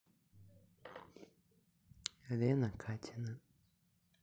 лена катина